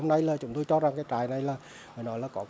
này là chúng tôi cho rằng trại này là nó là có